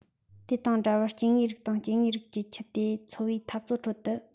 དེ དང འདྲ བར སྐྱེ དངོས རིགས དང སྐྱེ དངོས རིགས ཀྱི ཁྱུ དེ འཚོ བའི འཐབ རྩོད ཁྲོད དུ